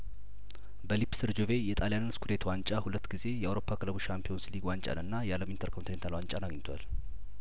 በሊፕስር ጁቬ የጣልያንን ስኩዴቶ ዋንጫ ሁለት ጊዜ የአውሮፓ ክለቦች ቻምፒየንስ ሊግ ዋንጫንና የአለም ኢንተር ኮንቲኔንታል ዋንጫ አግኝቷል